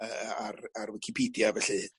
yy yy ar ar wicipedia felly.